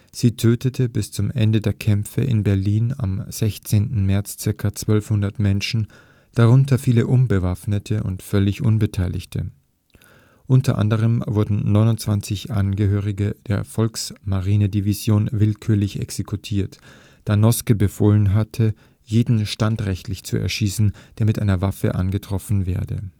Sie tötete bis zum Ende der Kämpfe in Berlin am 16. März ca. 1.200 Menschen, darunter viele Unbewaffnete und völlig Unbeteiligte. Unter anderem wurden 29 Angehörige der Volksmarinedivision willkürlich exekutiert, da Noske befohlen hatte, jeden standrechtlich zu erschießen, der mit einer Waffe angetroffen werde